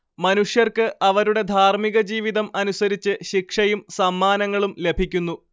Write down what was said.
മനുഷ്യർക്ക് അവരുടെ ധാർമികജീവിതം അനുസരിച്ച് ശിക്ഷയും സമ്മാനങ്ങളും ലഭിക്കുന്നു